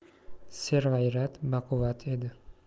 serg'ayrat baquvvat edi